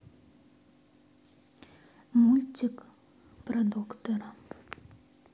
мультик про доктора